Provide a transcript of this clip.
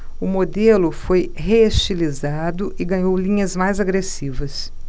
o modelo foi reestilizado e ganhou linhas mais agressivas